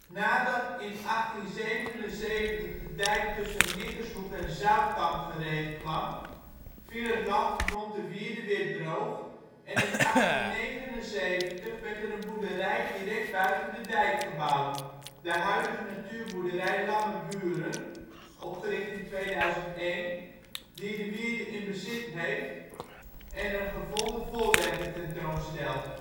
Nadat in 1877 de dijk tussen Nittershoek en Zoutkamp gereed kwam, viel het land rond de wierde weer droog en in 1879 werd er een boerderij direct buiten de dijk gebouwd, de huidige natuurboerderij Lammerburen (opgericht in 2001), die de wierde in bezit heeft en er gevonden voorwerpen tentoonstelt